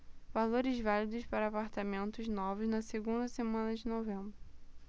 valores válidos para apartamentos novos na segunda semana de novembro